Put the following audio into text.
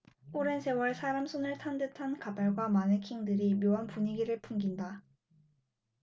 오랜 세월 사람 손을 탄 듯한 가발과 마네킹들이 묘한 분위기를 풍긴다